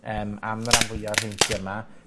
yym am y ran fwya o'r heintie 'ma.